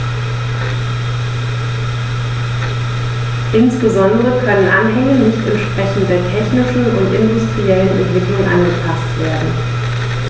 Insbesondere können Anhänge nicht entsprechend der technischen und industriellen Entwicklung angepaßt werden.